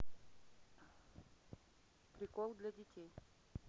прикол для детей